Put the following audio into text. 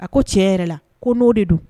A ko cɛ yɛrɛ la ko n'o de don